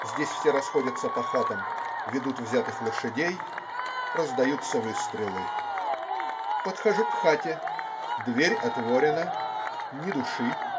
Здесь все расходятся по хатам. Ведут взятых лошадей. Раздаются выстрелы. Подхожу к хате. Дверь отворена - ни души.